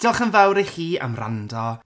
Diolch yn fawr i chi am wrando.